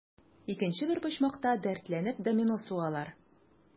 Икенче бер почмакта, дәртләнеп, домино сугалар.